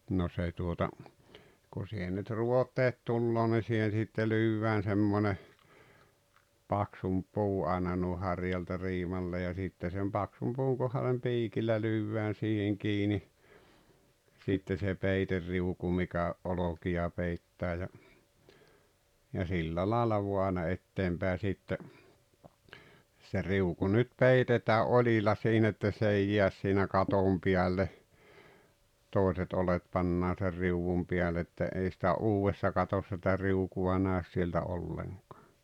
no se tuota kun siihen nyt ruoteet tulee niin siihen sitten lyödään semmoinen paksumpi puu aina noin harjalta riimalle ja sitten sen paksun puun kohdalle piikillä lyödään siihen kiinni sitten se peiteriuku mikä olkia peittää ja ja sillä lailla vain aina eteen päin sitten se riuku nyt peitetään oljilla siinä että se ei jää siinä katon päälle toiset oljet pannaan sen riu'un päälle että ei sitä uudessa katossa sitä riukua näy sieltä ollenkaan